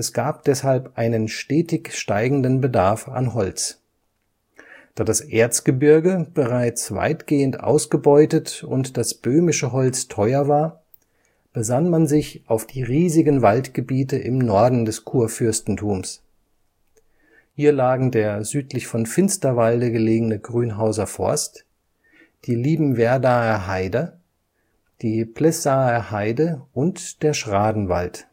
gab deshalb einen stetig steigenden Bedarf an Holz. Da das Erzgebirge bereits weitgehend ausgebeutet und das böhmische Holz teuer war, besann man sich auf die riesigen Waldgebiete im Norden des Kurfürstentums. Hier lagen der südlich von Finsterwalde gelegene Grünhauser Forst, die Liebenwerdaer Heide, die Plessaer Heide und der Schradenwald